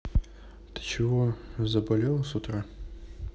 ты чего заболела с утра